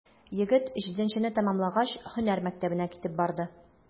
Егет, җиденчене тәмамлагач, һөнәр мәктәбенә китеп барды.